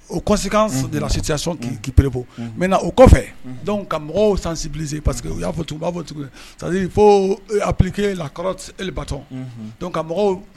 O kosikan san delasi sɔnipere mɛ o kɔfɛ mɔgɔw sansin bilisisi paseke que u y'a u b'a fɔ sadi fo a pki lakɔrɔ bat